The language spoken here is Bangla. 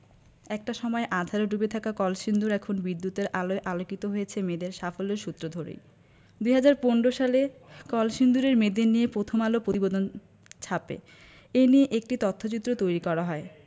একটা সময়ে আঁধারে ডুবে থাকা কলসিন্দুর এখন বিদ্যুতের আলোয় আলোকিত হয়েছে মেয়েদের সাফল্যের সূত্র ধরেই ২০১৫ সালে কলসিন্দুরের মেয়েদের নিয়ে পথম আলো প্রতিবেদন ছাপে এ নিয়ে একটি তথ্যচিত্র তৈরি করা হয়